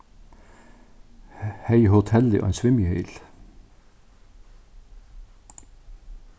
hevði hotellið ein svimjihyl